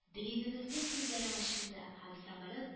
“бөегебезнең күзләре ачылды һәм самолет